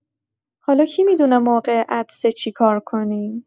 حالا کی می‌دونه موقع عطسه چی کار کنیم؟